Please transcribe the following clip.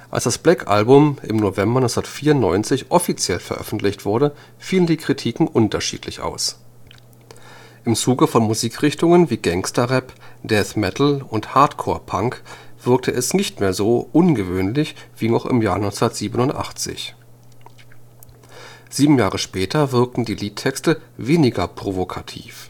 Als das Black Album im November 1994 offiziell veröffentlicht wurde, fielen die Kritiken unterschiedlich aus. Im Zuge von Musikrichtungen wie Gangsta-Rap, Death Metal und Hardcore Punk wirkte es nicht mehr so ungewöhnlich wie noch im Jahr 1987; sieben Jahre später wirkten die Liedtexte weniger provokativ